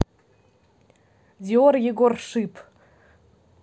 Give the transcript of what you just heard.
dior егор шип